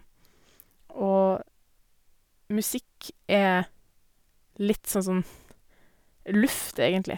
Og musikk er litt sånn som luft, egentlig.